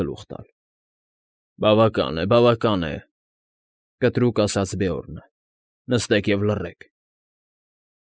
Գլուխ տալ. ֊ Բավական է, բավական է,֊ կտրուկ ասաց Բեորնը։֊ Նստեք և լռեք։